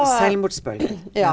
selvmordsbølgen ja.